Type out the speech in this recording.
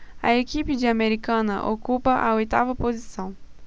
a equipe de americana ocupa a oitava posição